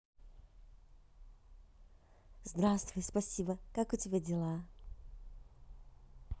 здравствуй спасибо как у тебя дела